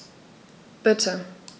Bitte.